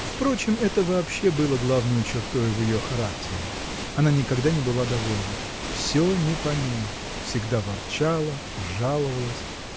Впрочем, это вообще было главною чертою в ее характере. Она никогда не была довольна все не по ней всегда ворчала, жаловалась.